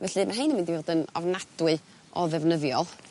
Felly ma' rhein yn mynd i fod yn ofnadwy o ddefnyddiol.